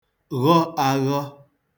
ghọ āghọ̄